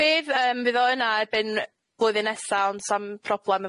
Bydd yym fydd o yna erbyn blwyddyn nesa ond sa'm problem